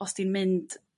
Os 'di'n mynd